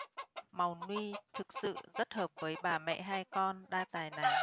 màu nude thực sự rất hợp với bà mẹ hai con đa tài này